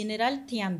Général t'i yan